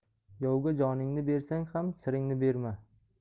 yovga joningni bersang ham siringni berma